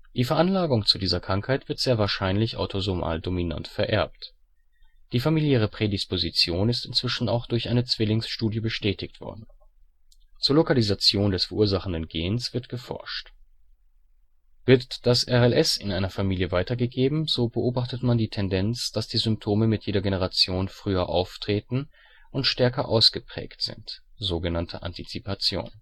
Die Veranlagung zu dieser Krankheit wird sehr wahrscheinlich autosomal-dominant vererbt. Die familiäre Prädisposition ist inzwischen auch durch eine Zwillingsstudie bestätigt worden. Zur Lokalisation des verursachenden Gens wird geforscht. Wird das RLS in einer Familie weitergegeben, so beobachtet man die Tendenz, dass die Symptome mit jeder Generation früher auftreten und stärker ausgeprägt sind (Antizipation